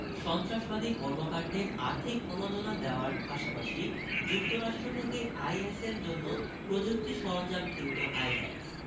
সন্ত্রাসবাদী কর্মকাণ্ডে আর্থিক প্রণোদনা দেওয়ার পাশাপাশি যুক্তরাষ্ট্র থেকে আইএসের জন্য প্রযুক্তি সরঞ্জাম কিনত আইব্যাকস